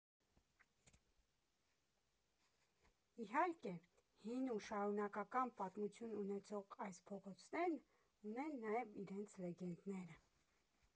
Իհարկե, հին ու շարունակական պատմություն ունեցող այս փողոցներն ունեն նաև իրենց լեգենդները։